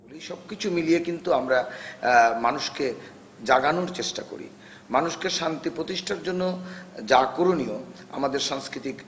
এই সবকিছু মিলিয়ে কিন্তু আমরা মানুষকে জাগানোর চেষ্টা করুন মানুষকে শান্তি প্রতিষ্ঠার জন্য যা করণীয় আমাদের সাংস্কৃতিক